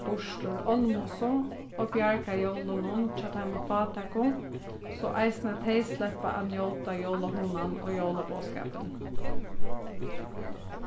burtur olmussu og bjargar jólunum hjá teimum fátæku so eisini tey sleppa at njóta jólahugnan og jólaboðskapin